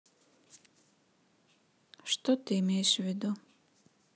что ты имеешь в виду